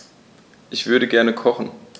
Ich würde gerne kochen.